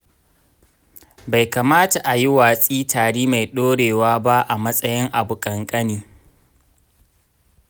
bai kamata a yi watsi tari mai ɗorewa ba a matsayin abu ƙanƙani.